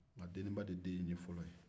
nka deniba de den in ye fɔlɔ ye